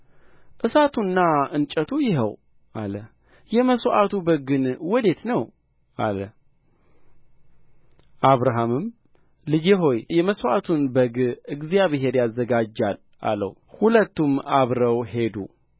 እሳቱና እንጨቱ ይኸው አለ የመሥዋዕቱ በግ ግን ወዴት ነው አለ አብርሃምም ልጄ ሆይ የመሥዋዕቱን በግ እግዚአብሔር ያዘጋጃል አለው ሁለቱም አብረው ሄዱ